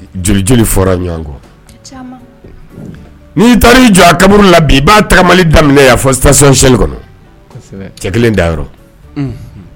Ɲɔgɔn n'i taara i jɔ a kaburu la bi i b'a tamani daminɛ fɔyɛn kɔnɔ cɛ kelen da yɔrɔ